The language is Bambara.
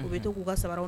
U bɛ to k'u ka sama